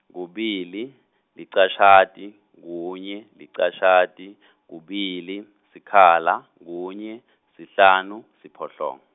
kubili licashati kunye licashati kubili sikhala kunye sihlanu siphohlongo.